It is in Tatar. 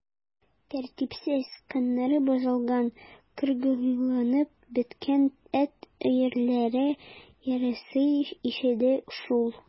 Тәртипсез, каннары бозылган, кыргыйланып беткән эт өерләре ярыйсы ишәйде шул.